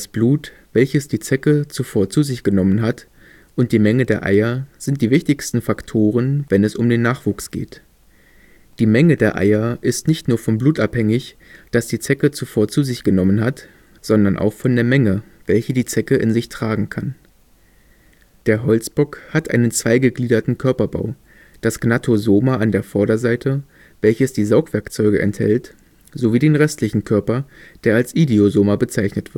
Blut, welches die Zecke zuvor zu sich genommen hat, und die Menge der Eier sind die wichtigsten Faktoren, wenn es um den Nachwuchs geht. Die Menge der Eier ist nicht nur vom Blut abhängig, das die Zecke zuvor zu sich genommen hat, sondern auch von der Menge, welche die Zecke in sich tragen kann. Der Holzbock hat einen zweigegliederten Körperbau, das Gnathosoma an der Vorderseite, welches die Saugwerkzeuge enthält, sowie den restlichen Körper, der als Idiosoma bezeichnet